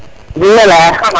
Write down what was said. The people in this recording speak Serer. im ndila